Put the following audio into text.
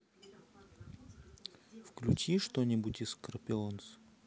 включи что нибудь из скорпионс